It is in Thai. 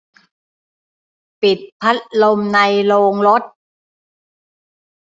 ปิดพัดลมในโรงรถ